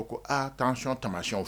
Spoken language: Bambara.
Ko aa k'an sɔn tamamasi fɛ